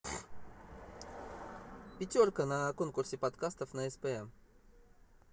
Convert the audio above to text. пятерка на конкурсе подкатов на спм